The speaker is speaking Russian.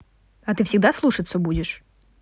а ты всегда слушаться будешь